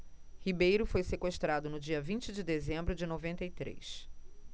ribeiro foi sequestrado no dia vinte de dezembro de noventa e três